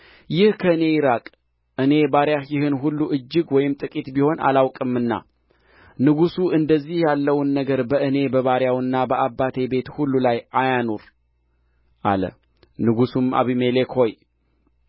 ይህ ከእኔ ይራቅ እኔ ባሪያህ ይህን ሁሉ እጅግ ወይም ጥቂት ቢሆን አላውቅምና ንጉሡ እንደዚህ ያለውን ነገር በእኔ በባሪያውና በአባቴ ቤት ሁሉ ላይ አያኑር አለ ንጉሡም አቢሜሌክ ሆይ